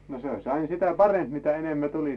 no se olisi aina sitä parempi mitä enemmän tulisi